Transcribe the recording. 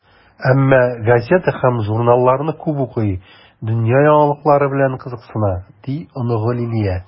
Әмма газета һәм журналларны күп укый, дөнья яңалыклары белән кызыксына, - ди оныгы Лилия.